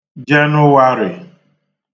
Jenụwarị̀